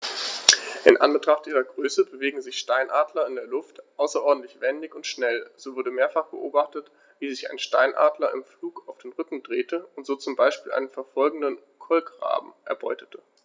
In Anbetracht ihrer Größe bewegen sich Steinadler in der Luft außerordentlich wendig und schnell, so wurde mehrfach beobachtet, wie sich ein Steinadler im Flug auf den Rücken drehte und so zum Beispiel einen verfolgenden Kolkraben erbeutete.